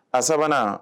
A sabanan